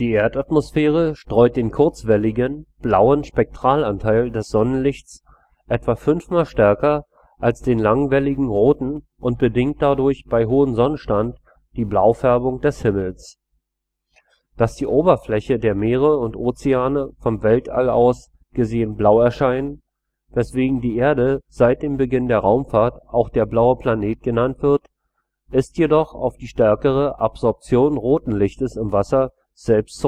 Erdatmosphäre streut den kurzwelligen, blauen Spektralanteil des Sonnenlichts etwa fünfmal stärker als den langwelligen, roten und bedingt dadurch bei hohem Sonnenstand die Blaufärbung des Himmels. Dass die Oberfläche der Meere und Ozeane vom Weltall aus gesehen blau erscheinen, weswegen die Erde seit dem Beginn der Raumfahrt auch der „ Blaue Planet “genannt wird, ist jedoch auf die stärkere Absorption roten Lichtes im Wasser selbst